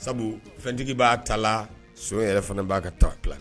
Sabu fɛntigi b'a ta la so yɛrɛ fana b'a ka taala